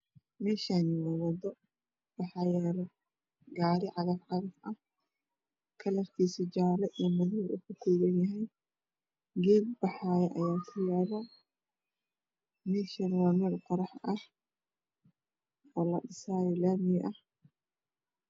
Meeshaani waa wado waxaa yaalo gaari cagaf cagaf ah, kalarkiisu jaale iyo madow uu ka kooban yahay. geed baxaayo ayaa ku yaalo meeshana waa meel qorax ah oo ladhisaayo oo laami ah.